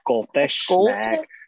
A Scottish snack.